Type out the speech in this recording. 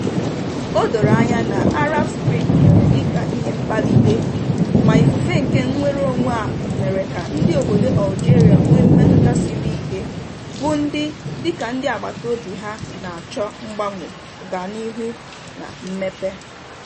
O doro anya na Arab Spring mere dịka ihe mkpalite, ma ifufe nke nnwereonwe a mere ka ndị obodo Algeria nwee mmetụta siri ike, bụ ndị, dịka ndị agbataobi ha, na-achọ mgbanwe, ọganihu na mmepe.